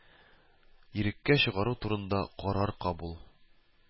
Иреккә чыгару турында карар кабул